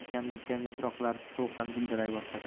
yakkam dukkam yaproqlar sovuqdan dildiray boshladi